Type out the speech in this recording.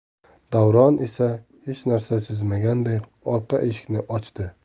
davron esa hech narsa sezmaganday orqa eshikni ochdi